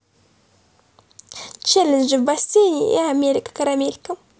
челенджи в бассейне и амелька карамелька